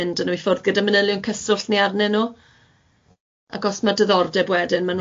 mynd â nw ffwrdd gyda manylion cyswllt ni arnyn nw, ac os ma' diddordeb wedyn